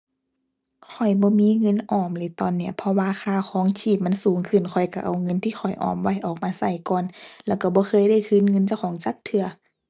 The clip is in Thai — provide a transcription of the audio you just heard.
ข้อยบ่มีเงินออมเลยตอนนี้ เพราะว่าค่าครองชีพมันสูงขึ้น ข้อยก็เอาเงินที่ข้อยออมไว้ออกมาก็ก่อน แล้วก็บ่เคยได้คืนเงินเจ้าของจักเทื่อ